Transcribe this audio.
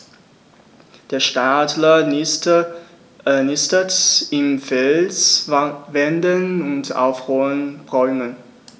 Der Steinadler nistet in Felswänden und auf hohen Bäumen.